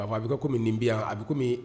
A a bɛ kɛ ko min nin bi yanyan a bɛ